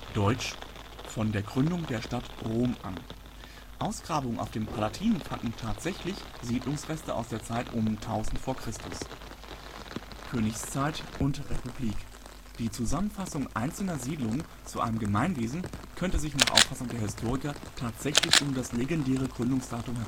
deutsch „ von der Gründung der Stadt (Rom) an “. Ausgrabungen auf dem Palatin fanden tatsächlich Siedlungsreste aus der Zeit um 1000 vor Christus. Königszeit und Republik Skizze zu den sieben Hügeln Roms Die Zusammenfassung einzelner Siedlungen zu einem Gemeinwesen könnte sich nach Auffassung der Historiker tatsächlich um das legendäre Gründungsdatum